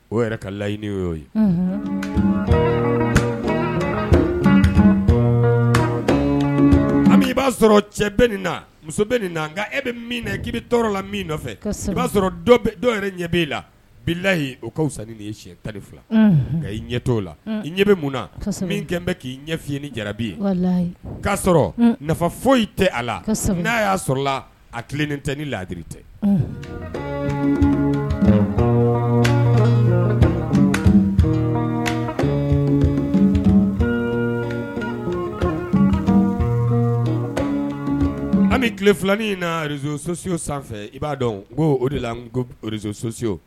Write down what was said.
O yɛrɛ ka layiɲiniini ye ami i b'a sɔrɔ cɛ bɛ nin na muso bɛ nin na e bɛ min k'i bɛ la min nɔfɛ i b'a sɔrɔ dɔw yɛrɛ ɲɛ bɛ e i la bi layi o ka san ye sɛ tanli fila nka i ɲɛtɔ la i ɲɛ bɛ mun na min bɛ k'i ɲɛfiye ni jara ye k'a sɔrɔ nafa foyi i tɛ a la n'a y'a sɔrɔ a tile ni tɛ ni laadiri tɛ ami tile filanin inz soso sanfɛ i b'a dɔn ko o de laz soso